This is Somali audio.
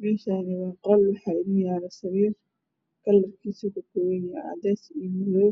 Meeshani waa qol waxaa inoo yaali sariir kalarkiisu uu kakooban yahay cades iyo madoow